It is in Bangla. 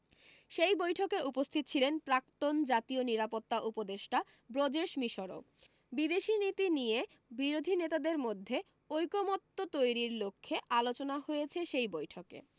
সেই বৈঠকে উপস্থিত ছিলেন প্রাক্তন জাতীয় নিরাপত্তা উপদেষ্টা ব্রজেশ মিশরও বিদেশনীতি নিয়ে বিরোধী নেতাদের মধ্যে ঐকমত্য তৈরীর লক্ষ্যে আলোচনা হয়েছে সেই বৈঠকে